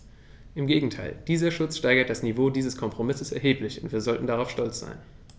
Im Gegenteil: Dieser Schutz steigert das Niveau dieses Kompromisses erheblich, und wir sollten stolz darauf sein.